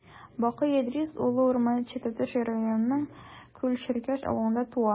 Бакый Идрис улы Урманче Тәтеш районының Күл черкен авылында туа.